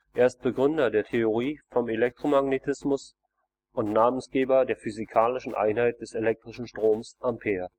Er ist Begründer der Theorie vom Elektromagnetismus und Namensgeber der physikalischen Einheit des elektrischen Stromes Ampere